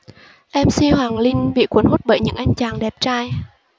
mc hoàng linh bị cuốn hút bởi những anh chàng đẹp trai